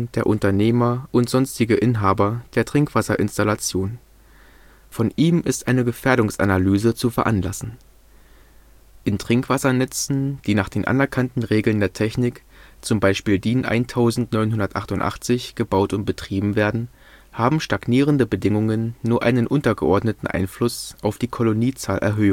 der „ Unternehmer und sonstige Inhaber “der Trinkwasserinstallation. Von ihm ist eine Gefährdungsanalyse zu veranlassen. In Trinkwassernetzen, die nach den anerkannten Regel der Technik z.B. DIN 1988 gebaut und betrieben werden, haben stagnierende Bedingungen nur einen untergeordneten Einfluss auf die Koloniezahlerhöhung